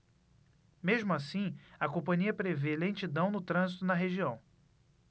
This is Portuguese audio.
mesmo assim a companhia prevê lentidão no trânsito na região